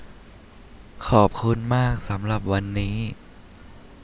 ขอบคุณมากสำหรับวันนี้